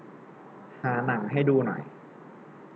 หาหนังให้ดูหน่อย